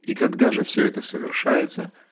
И когда же все это совершается?